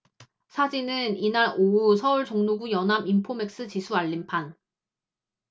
사진은 이날 오후 서울 종로구 연합인포맥스 지수 알림판